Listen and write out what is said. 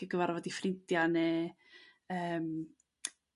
i gyfarfod 'u ffrindia' ne' yrm